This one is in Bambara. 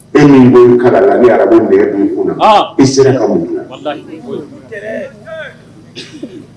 E min bɛ n kala'la ni arabu bɛ'i kun ,i sera ka mun kɛ?